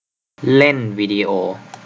เล่นวีดีโอ